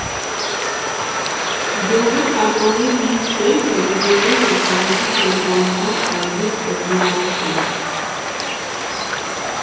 Գյումրու թատրոնի հին շենքը գտնվում է քաղաքի կենտրոնական այգու սկզբնամասում։